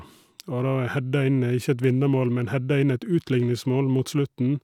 Og da heada inn, ikke et vinnermål, men heada inn et utlikningsmål mot slutten.